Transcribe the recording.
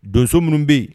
Donso munun bɛ yen